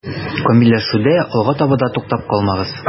Камилләшүдә алга таба да туктап калмагыз.